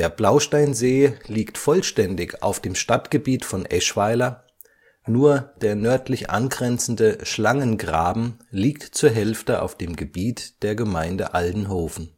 Blausteinsee liegt vollständig auf dem Stadtgebiet von Eschweiler; nur der nördlich angrenzende Schlangengraben liegt zur Hälfte auf dem Gebiet der Gemeinde Aldenhoven